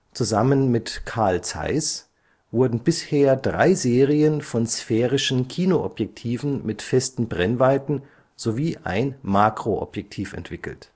Zusammen mit Carl Zeiss wurden bisher drei Serien von sphärischen Kino-Objektiven mit festen Brennweiten sowie ein Makroobjektiv entwickelt